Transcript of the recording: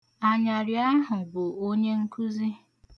Anyarị ahụ bụ onye nkụzi.